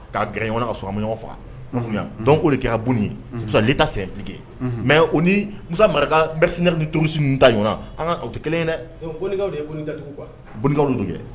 Kaa g ɲɔgɔn ka sɔrɔ ama ɲɔgɔn faga yan dɔn' de kɛra bon ye fisali ta sɛ bi mɛ o ni mu maraka nba ni to tana anaw tɛ kelen in dɛkaww de ye dadugukaw don kɛ